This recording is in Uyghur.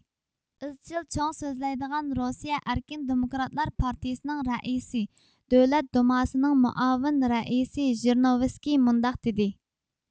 ئىزچىل چوڭ سۆزلەيدىغان روسىيە ئەركىن دېموكراتلار پارتىيىسىنىڭ رەئىسى دۆلەت دۇماسىنىڭ مۇئاۋىن رەئىسى ژىرنوۋىسكىي مۇنداق دېدى